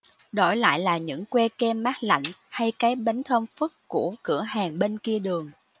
đổi lại là những que kem mát lạnh hay cái bánh thơm phức của cửa hàng bên kia đường